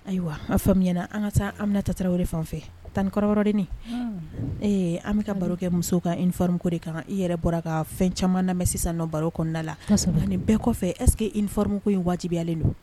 Ayiwa an'a fa faamuyayɛna an ka taa anminatata o de fɛn fɛ tan nikɔrɔd ee an bɛka ka garikɛ muso ka infarin ko de kan i yɛrɛ bɔra ka fɛn caman na mɛ sisan baro kɔnɔnada la ni bɛɛ kɔfɛ ɛsseke infarinm ko in wajibiyalen don